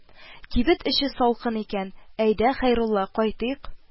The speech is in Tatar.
Кибет эче салкын икән, әйдә, Хәйрулла, кайтыйк,